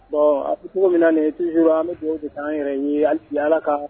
Bon a bɛ cogo min na nin ye toujours an bɛ dugawu de kɛ an yɛrɛ ye hali sisan Ala ka